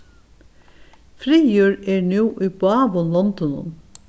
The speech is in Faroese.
friður er nú í báðum londunum